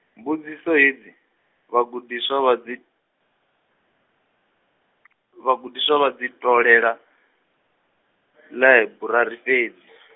mbudziso hedzi, vhagudiswa vha dzi, vhagudiswa vha dzi ṱolela, laiburary fhedzi.